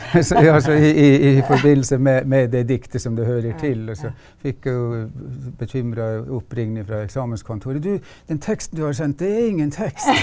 altså i i i forbindelse med med det diktet som det hører til og så fikk jo bekymra oppringing ifra eksamenskontoret du, den teksten du har sendt det er ingen tekst.